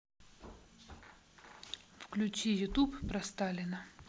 включи ютуб про сталина